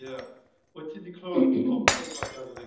Ia, wyt ti 'di clywed am y polyglot gathering?